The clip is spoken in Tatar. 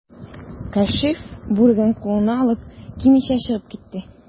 Кәшиф, бүреген кулына алып, кимичә чыгып китте.